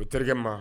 O terikɛ ma